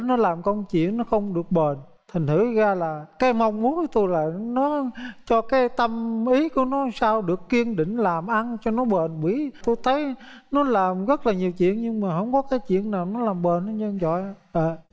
nó làm công chuyện nó không được bền thành thử ra là cái mong muốn của tôi là nó cho cái tâm ý của nó sao được kiên định làm ăn cho nó bền bỉ tôi thấy nó làm rất là nhiều chuyện nhưng mà không có hổng có chuyện nào nó làm bền hết chơn chọi á